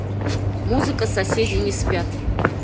музыка соседи не спят